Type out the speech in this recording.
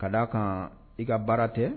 Ka d' a kan i ka baara tɛ